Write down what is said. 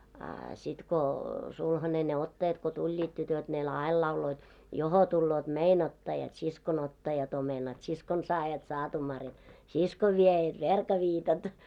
a sitten kun sulhanen ne ottajat kun tulivat tytöt ne - aina lauloivat johon tulevat meidän ottajat siskon ottajat omenat siskon saajat saatumarjat siskon viejät verkaviitat